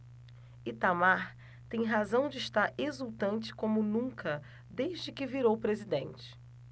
itamar tem razão de estar exultante como nunca desde que virou presidente